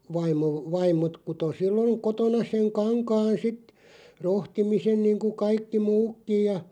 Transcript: vaimo vaimot kutoi silloin kotona sen kankaan sitten rohtimisen niin kuin kaikki muutkin ja